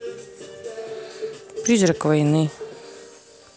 призрак войны